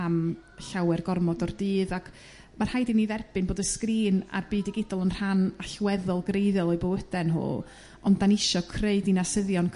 am llawer gormod o'r dydd ac ma' rhaid i ni dderbyn bod y sgrin ar byd digidol yn rhan allweddol greiddiol o'u bywyde nhw ond 'dan ni isio creu dinasyddion